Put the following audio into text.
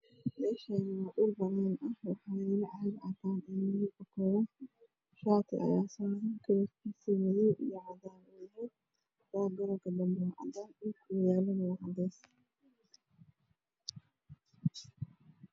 Meshani waa dhuul banaan ah waxaa yala caag cadan ah madoow ka koban shati ayaa saran oo kalarkiisa madow iyo cadan ow yahay ow garabka dambe cadan dhulkuu yalana waa cadees